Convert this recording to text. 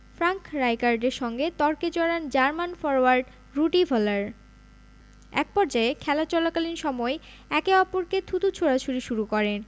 Frank রাইকার্ডের সঙ্গে তর্কে জড়ান জার্মান ফরোয়ার্ড রুডি ভলার একপর্যায়ে খেলা চলাকালীন সময়েই একে অপরকে থুতু ছোড়াছুড়ি শুরু করেন